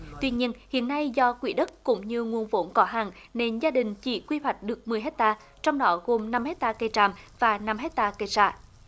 tuy nhiên hiện nay do quỹ đất cũng như nguồn vốn có hạn nên gia đình chị quy hoạch được mười héc ta trong đó gồm năm héc ta cây tràm và nằm héc ta cây sả